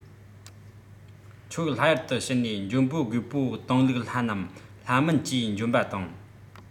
ཁྱོད ལྷ ཡུལ དུ ཕྱིན ནས འཇོན པོ རྒོས པོ བཏང ལུགས ལྷ རྣམས ལྷ མིན གྱིས བཅོམ པ དང